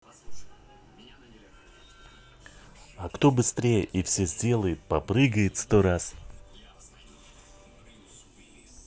а кто быстрее и все сделает попрыгает сто раз